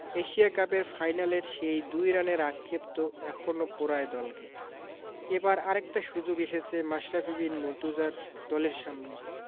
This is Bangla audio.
এশিয়া কাপের ফাইনালের সেই ২ রানের আক্ষেপ তো এখনো পোড়ায় দলকে এবার আর একটা সুযোগ এসেছে মাশরাফি বিন মুর্তজার দলের সামনে